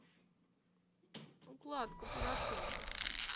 укладка парашюта